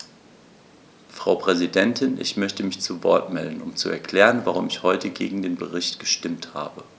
Frau Präsidentin, ich möchte mich zu Wort melden, um zu erklären, warum ich heute gegen den Bericht gestimmt habe.